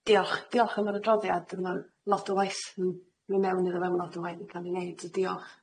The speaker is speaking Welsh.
Diolch diolch am yr adroddiad ma' lot o waith yn myn' mewn iddo fewn lot o waith yn ca'l ni neud so diolch.